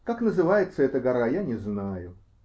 Как называется эта гора -- я не знаю.